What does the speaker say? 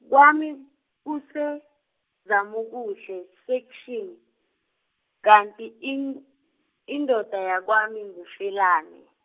kwami, kuseZamokuhle Section, kanti in- indoda yakwami nguFelani.